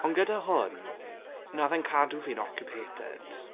Ond gyda hwn na oedd e'n cadw fi'n occupated